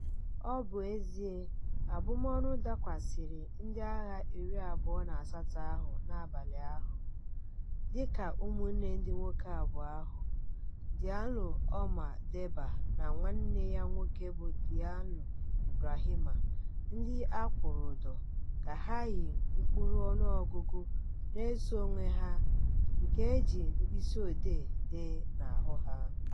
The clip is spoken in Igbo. Ọ bụ ezie, abụmọnụ dakwasịrị ndị agha 28 ahụ n'abalị ahụ. Dịka ụmụnne ndị nwoke abụọ ahụ, Diallo Oumar Demba na nwanne ya nwoke bụ Diallo Ibrahima, ndị a kwụrụ ụdọ ka ha yi mkpụrụọnụọgụgụ na-eso onwe ha nke e ji mkpịsịodee dee n'ahụ ha.